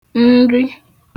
nri